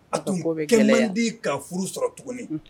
A tun kɛlen bi ka furu sɔrɔ tuguni